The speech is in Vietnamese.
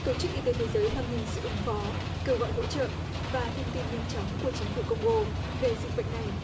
tổ chức y tế thế giới hoan nghênh sự ứng phó kêu gọi hỗ trợ và thông tin nhanh chóng của chính phủ công gô về dịch bệnh này